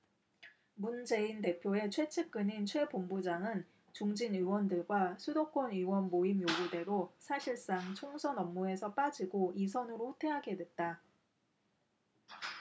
문재인 대표의 최측근인 최 본부장은 중진 의원들과 수도권 의원 모임 요구대로 사실상 총선 업무에서 빠지고 이 선으로 후퇴하게 됐다